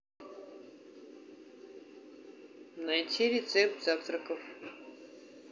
найди рецепт завтраков